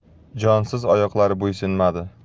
jonsiz oyoqlari bo'ysunmadi